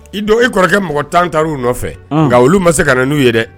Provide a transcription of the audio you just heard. I don e kɔrɔkɛ mɔgɔ tan ta u nɔfɛ nka olu ma se ka n'u ye dɛ